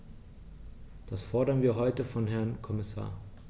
Das fordern wir heute vom Herrn Kommissar.